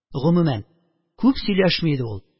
Гомумән, күп сөйләшми иде ул